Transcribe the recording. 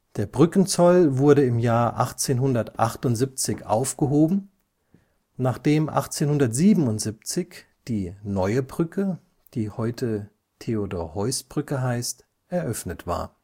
Der Brückenzoll wurde 1878 aufgehoben, nachdem 1877 die „ Neue Brücke “, heute Theodor-Heuss-Brücke, eröffnet war